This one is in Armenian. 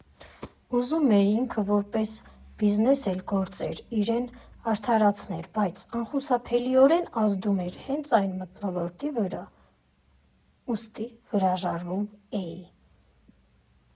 Ուզում էի՝ ինքը որպես բիզնես էլ գործեր, իրեն արդարացներ, բայց անխուսափելիորեն ազդում էր հենց այդ մթոլորտի վրա, ուստի հրաժարվում էի։